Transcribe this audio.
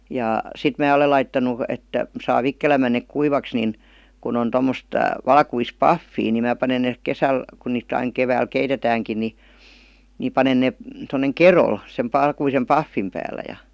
ja sitten minä olen laittanut että saa vikkelämmin ne kuivaksi niin kun on tuommoista valkoista pahvia niin minä panen ne kesällä kun niitä aina keväällä keitetäänkin niin niin panen ne tuonne kedolle sen valkoisen pahvin päällä ja